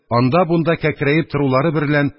Анда-бунда кәкрәеп торулары берлән